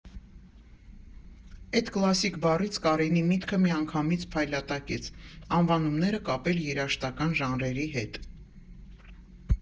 Էդ «կլասիկ» բառից Կարենի միտքը միանգամից փայլատակեց՝ անվանումները կապել երաժշտական ժանրերի հետ։